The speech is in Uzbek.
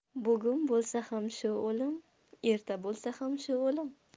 bugun bo'lsa ham shu o'lim erta bo'lsa ham shu o'lim